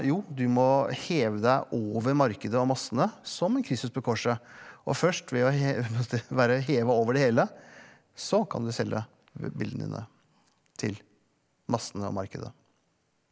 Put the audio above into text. jo du må heve deg over markedet og massene som en Kristus på korset og først ved å være heva over det hele så kan du selge bildene dine til massene og markedet.